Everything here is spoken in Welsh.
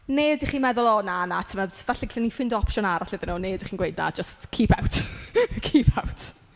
Neu ydych chi'n meddwl "O na, na, timod. Falle gallwn ni ffindo opsiwn arall iddyn nhw?" Neu ydych chi'n gweud "Na, just keep out Keep out".